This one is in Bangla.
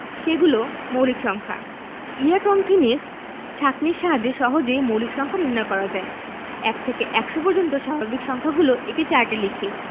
সেগুলো মৌলিক সংখ্যা ইরাটোন্থিনিস ছাঁকনির সাহায্যে সহজেই মৌলিক সংখ্যা নির্ণয় করা যায় ১ থেকে ১০০ পর্যন্ত স্বাভাবিক সংখ্যাগুলো একটি চার্টে লিখি